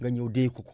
nga ñëw déye ko ko